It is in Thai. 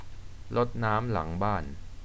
รดน้ำหลังบ้าน